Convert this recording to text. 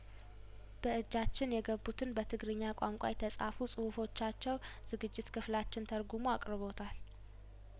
በእጃችን የገቡትን በትግርኛ ቋንቋ የተጻፉ ጹሁፎ ቻቸው ዝግጅት ክፍላችን ተርጉሞ አቅርቦታል